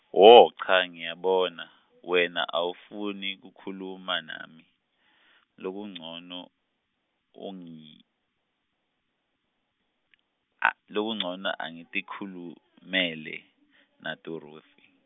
wo cha ngiyabona , wena awufuni kukhuluma nami, lokuncono, ungi- a- lokuncono ngitikhulumele, naDorothi.